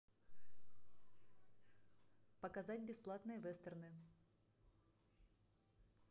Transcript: показать бесплатные вестерны